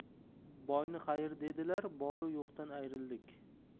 boyni xayrh dedilar bor u yo'qdan ayrildik